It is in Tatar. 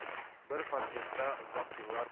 Бер подъездда озак еллар